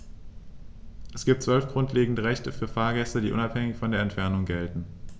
Es gibt 12 grundlegende Rechte für Fahrgäste, die unabhängig von der Entfernung gelten.